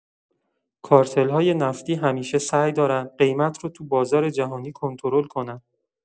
کارتل‌های نفتی همیشه سعی دارن قیمت رو تو بازار جهانی کنترل کنن.